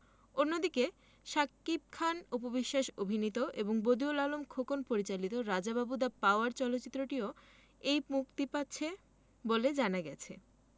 অন্যদিকে শাকিব খান অপু বিশ্বাস অভিনীত এবং বদিউল আলম খোকন পরিচালিত রাজা বাবু দ্যা পাওয়ার চলচ্চিত্রটিও এই মুক্তি পাচ্ছে বলে জানা গেছে